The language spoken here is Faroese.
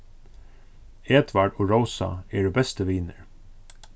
edvard og rósa eru bestu vinir